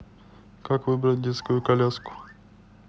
как выбрать детскую коляску